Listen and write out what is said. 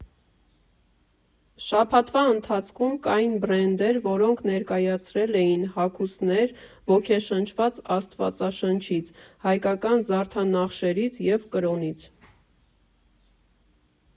Շաբաթվա ընթացքում կային բրենդներ, որոնք ներկայացրել էին հագուստներ ոգեշնչված Աստվածաշնչից, հայկական զարդանախշերից և կրոնից։